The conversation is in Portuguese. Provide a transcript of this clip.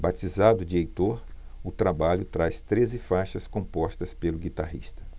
batizado de heitor o trabalho traz treze faixas compostas pelo guitarrista